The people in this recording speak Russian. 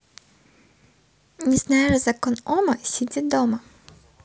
не знаешь закон ома сиди дома